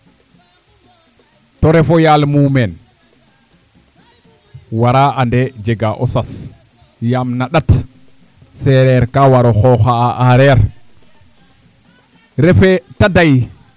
to refo yaam muumeen wara andee jega o sas yaam na ƭat seereer ka war o xooxaa a aereer refee ta dey